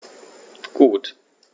Gut.